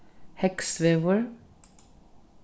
heygsvegur